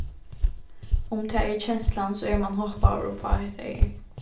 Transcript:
um tað er kenslan so er mann hoppaður upp á hetta her